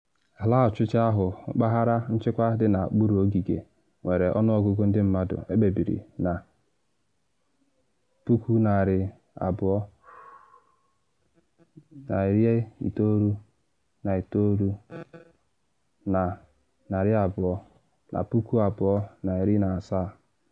Ala ọchịchị ahụ, mpaghara nchịkwa dị n’okpuru ogige, nwere ọnụọgụgụ ndị mmadụ ekpebiri na 299,200 na 2017.